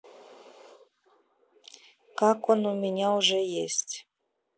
как он у меня уже есть